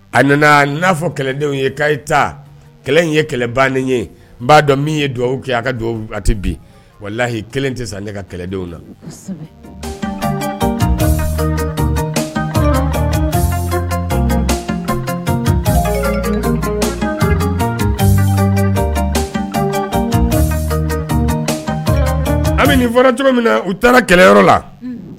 A nana na fɔ kɛlɛdenw ye ta kɛlɛ ye kɛlɛ ban ye n b'a dɔn min yewababu kɛ a ka dugawubabu a bi wala lahi kelen tɛ ne ka kɛlɛdenw na an nin fɔra cogo min na u taara kɛlɛyɔrɔ la